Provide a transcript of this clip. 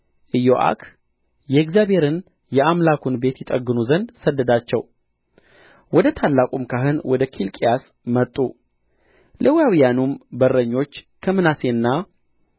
ኢዮአክ የእግዚአብሔርን የአምላኩን ቤት ይጠግኑ ዘንድ ሰደዳቸው ወደ ታላቁም ካህን ወደ ኬልቅያስ መጡ ሌዋውያኑም በረኞች ከምናሴና